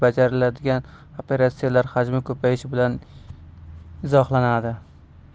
bajariladigan operatsiyalar hajmi ko'payishi bilan izohlanadi